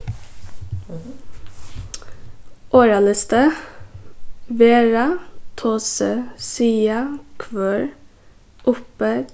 orðalisti vera tosi siga hvør uppi